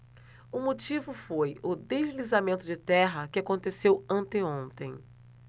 o motivo foi o deslizamento de terra que aconteceu anteontem